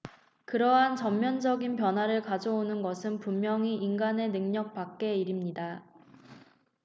그러한 전면적인 변화를 가져오는 것은 분명히 인간의 능력 밖의 일입니다